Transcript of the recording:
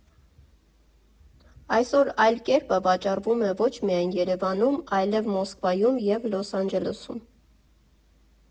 Այսօր «Այլ կերպը» վաճառվում է ոչ միայն Երևանում, այլև Մոսկվայում և Լոս Անջելեսում։